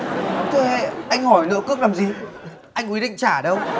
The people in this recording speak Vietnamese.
thế anh hỏi nợ cước làm gì anh có ý định trả đâu